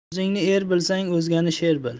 o'zingni er bilsang o'zgani sher bil